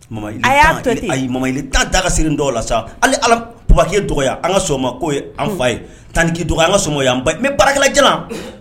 A ɲuman k'a daga siri dɔw la sa hali alabake dɔgɔ an kama ko an fa ye tan dɔgɔ an ka bɛ barakɛ j